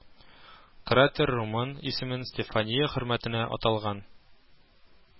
Кратер румын исемен Стефания хөрмәтенә аталган